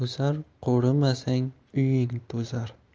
o'sar qo'rimasang uying to'zar